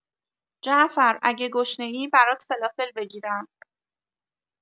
جعفر اگه گشنه‌ای برات فلافل بگیرم